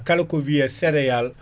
kala ko wiye céreale: fra